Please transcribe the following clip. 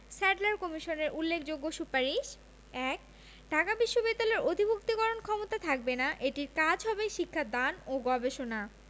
Sadler কমিশনের উল্লেখযোগ্য সুপারিশ: ১. ঢাকা বিশ্ববিদ্যালয়ের অধিভুক্তিকরণ ক্ষমতা থাকবে না এটির কাজ হবে শিক্ষা দান ও গবেষণা